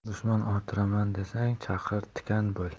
dushman orttiraman desang chaqirtikan bo'l